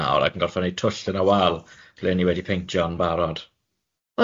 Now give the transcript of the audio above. nawr ac yn gorfod neud twll yn y wal, ble ni wedi peintio'n barod.